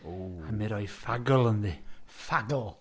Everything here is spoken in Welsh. Ww... A mi roi ffagl ynddi. ...Ffagl?